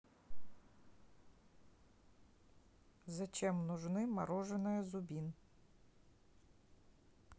зачем нужны мороженое зубин